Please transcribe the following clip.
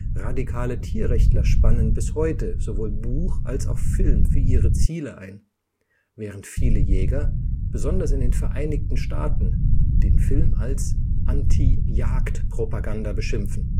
Radikale Tierrechtler spannen bis heute sowohl Buch als auch Film für ihre Ziele ein, während viele Jäger, besonders in den Vereinigten Staaten, den Film als „ Anti-Jagd-Propaganda “beschimpfen